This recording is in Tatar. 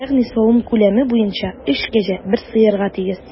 Ягъни савым күләме буенча өч кәҗә бер сыерга тигез.